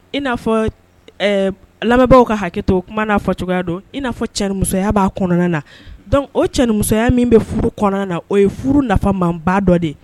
I na fɔ ɛɛ lamɛnbaaw ka hakɛto kuma na fɔ cogoya don . I na fɔ cɛ ni muso ya ba kɔnɔna na. Donc o cɛ ni musoya min bi furu kɔnɔna la o ye furu nafa man ba dɔ de ye.